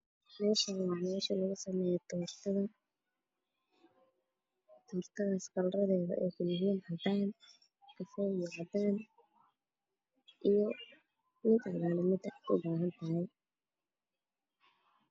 Meeshaan waa meesha lugu sameeyo toortada nuucyadeeda kale duwan sida kafay iyo cadaan.